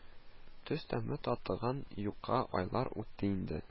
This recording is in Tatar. Тоз тәме татыган юкка айлар үтте инде